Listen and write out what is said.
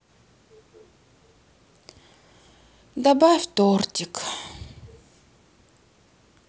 добавь тортик